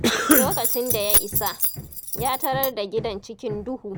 Lokacin da ya isa, ya tarar da gidan cikin duhu.